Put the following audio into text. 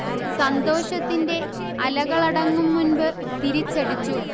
സന്തോഷത്തിന്റെ അലകളടങ്ങും മുന്പ് തിരിച്ചടിച്ചു